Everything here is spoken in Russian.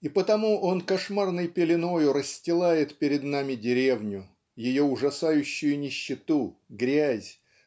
И потому он кошмарной пеленою расстилает перед нами деревню ее ужасающую нищету грязь